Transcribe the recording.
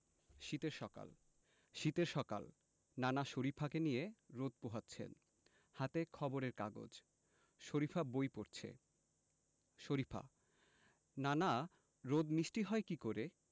শীতের সকাল শীতের সকাল নানা শরিফাকে নিয়ে রোদ পোহাচ্ছেন হাতে খবরের কাগজ শরিফা বই পড়ছে শরিফা নানা রোদ মিষ্টি হয় কী করে